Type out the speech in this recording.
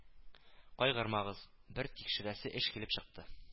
Кайгырмагыз, бер тикшерәсе эш килеп чыкты